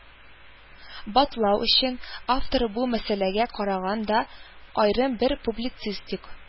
Батлау өчен, автор бу мәсьәләгә караган аерым бер публицистик